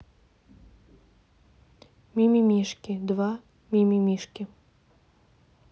мимимишки два мимимишки